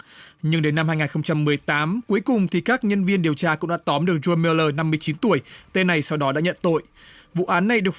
nhưng đến năm hai ngàn không trăm mười tám cuối cùng thì các nhân viên điều tra cũng đã tóm được giôn meo lơ năm mươi chín tuổi tên này sau đó đã nhận tội vụ án này được